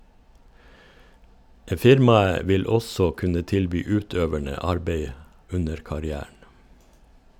Firmaet vil også kunne tilby utøverne arbeid under karrieren.